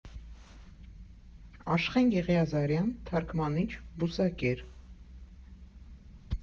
Աշխեն Եղիազարյան, թարգմանիչ, բուսակեր։